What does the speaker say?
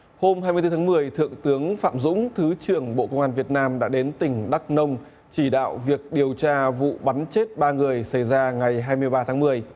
hôm hai mươi tư tháng mười thượng tướng phạm dũng thứ trưởng bộ công an việt nam đã đến tỉnh đắc nông chỉ đạo việc điều tra vụ bắn chết ba người xảy ra ngày hai mươi ba tháng mười